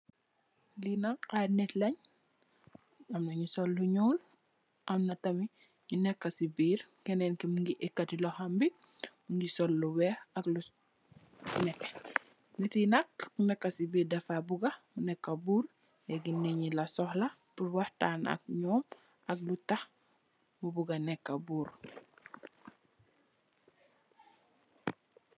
Lii nak ayy nittlen. Amna nyu sol lu nyul, amna tamit nyuneka si birr kenen ki mungi ekatti lohombi, mungi sol lu wekh ak lu neteh. Nitt Yi nak, kuneka si birr dafa buga neka burr lagi nitt yii la sohla purr wahtan ak nyom ak lutakh mu buga neka burr.